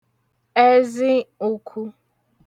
ẹzi ùkhu.